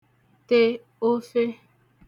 te ofe